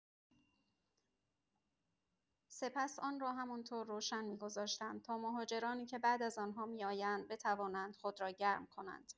سپس آن را همان‌طور روشن می‌گذاشتند تا مهاجرانی که بعد از آن‌ها می‌آیند، بتوانند خود را گرم کنند.